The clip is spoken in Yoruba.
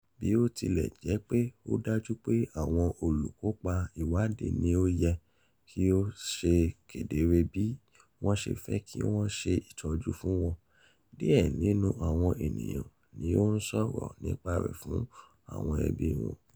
Bí ó tilẹ̀ jẹ́ pé ó dájú pé àwọn olùkópa ìwáàdí ní òye tí ó ṣe kedere bí wọ́n ṣe fẹ́ kí wọ́n ṣe ìtọ́jú fún wọn, díẹ̀ Nínú àwọn ènìyàn ni ó ń sọ̀rọ̀ nípa rẹ̀ fún àwọn ẹbí wọn.